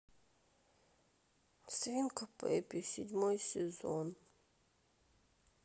свинка пеппа седьмой сезон